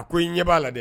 A ko i ɲɛ'a la dɛ